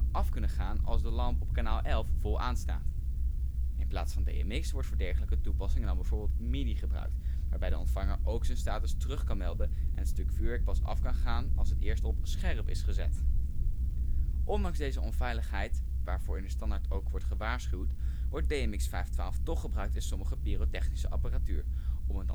af kunnen gaan als de lamp op kanaal 11 vol aanstaat. In plaats van DMX wordt voor dergelijke toepassingen dan bijvoorbeeld MIDI gebruikt, waarbij de ontvanger ook zijn status terug kan melden en het stuk vuurwerk pas af kan gaan als het eerst " op scherp " gezet is. Ondanks deze onveiligheid (waarvoor in de standaard ook wordt gewaarschuwd) wordt DMX512 toch gebruikt in sommige pyrotechnische apparatuur, om